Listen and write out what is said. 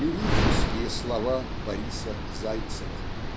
лирические слова Бориса Зайцева.